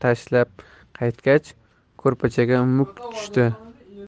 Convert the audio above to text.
tashlab qaytgach ko'rpachaga muk tushdi